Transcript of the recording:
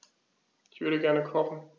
Ich würde gerne kochen.